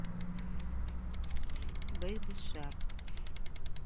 беби шарк